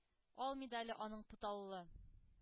Ал медале аның путаллы,